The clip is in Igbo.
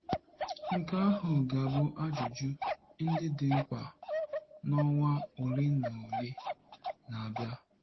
Nke ahụ ga-abụ ajụjụ ndị dị mkpa n'ọnwa olenaole na-abịa.